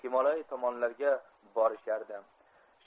himolay tomonlarga borishardi